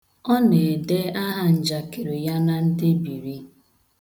Ọ na-ede ahanjakịrị ya na ndebiri.